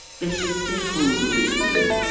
Felly dehonglwyr ydan ni.